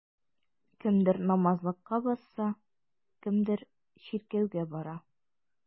Кемдер намазлыкка басса, кемдер чиркәүгә бара.